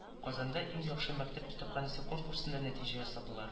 Казанда “Иң яхшы мәктәп китапханәсе” конкурсына нәтиҗә ясадылар